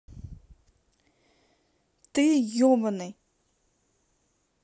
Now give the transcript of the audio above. ты ебаный